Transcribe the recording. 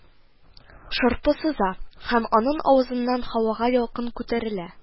Шырпы сыза, һәм аның авызыннан һавага ялкын күтәрелә